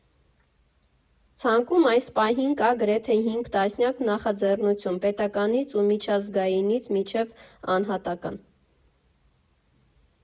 Ցանկում այս պահին կա գրեթե հինգ տասնյակ նախաձեռնություն՝ պետականից ու միջազգայինից մինչև անհատական։